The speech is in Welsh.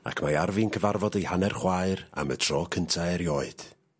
ac mae ar fin cyfarfod ei hanner chwaer am y tro cynta erioed.